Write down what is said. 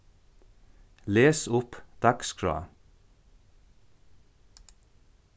les upp dagsskrá